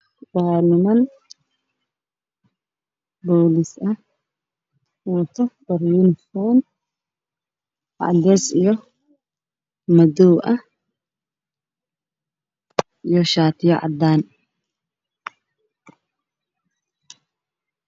Waa niman boolis ah wata yuni foom